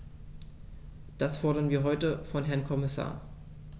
Das fordern wir heute vom Herrn Kommissar.